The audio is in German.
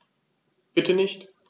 Bitte nicht.